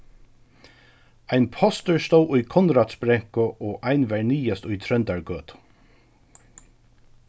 ein postur stóð í konradsbrekku og ein var niðast í tróndargøtu